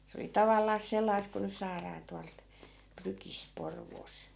se oli tavallaan sellaista kuin nyt saadaan tuolta prykistä Porvoosta